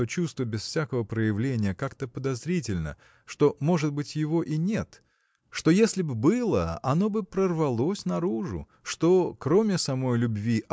что чувство без всякого проявления как-то подозрительно что может быть его и нет что если б было оно бы прорвалось наружу что кроме самой любви